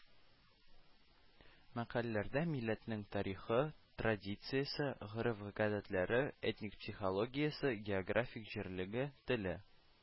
Мәкальләрдә милләтнең тарихы, традициясе, гореф-гадәтләре, этник психологиясе, географик җирлеге, теле